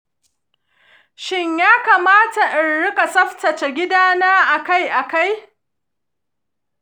shin ya kamata in rika tsaftace gidana akai-akai?